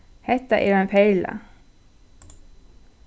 hetta er ein perla